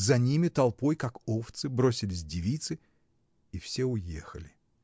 за ними толпой, как овцы, бросились девицы, и все уехали.